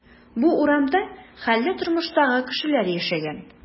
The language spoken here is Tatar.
Бу урамда хәлле тормыштагы кешеләр яшәгән.